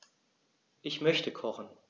Ich möchte kochen.